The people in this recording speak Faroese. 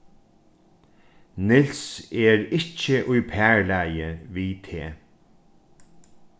niels er ikki í parlagi við teg